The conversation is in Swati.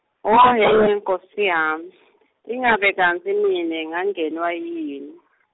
hhohhe nkhosi yami , ingabe kantsi mine ngangenwa yini?